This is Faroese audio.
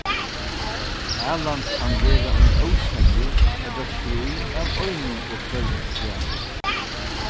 talan kann vera um ósemjur ella stríð av einum og hvørjum slag